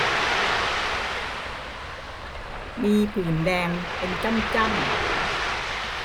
มีผื่นแดงเป็นจ้ำจ้ำ